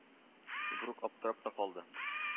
Ибрук аптырап та калды